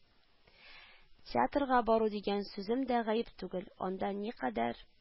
Театрга бару дигән сүзем дә гаеп түгел, анда никадәр